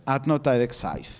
Adnod dau ddeg saith.